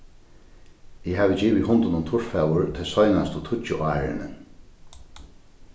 eg havi givið hundinum turrfóður tey seinastu tíggju árini